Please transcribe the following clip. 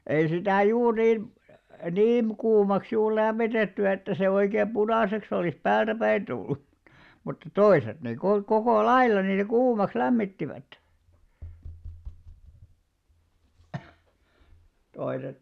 ei sitä juuri niin niin kuumaksi juuri lämmitetty että se oikein punaiseksi olisi päältäpäin tullut mutta mutta toiset ne - koko lailla niitä kuumaksi lämmittivät toiset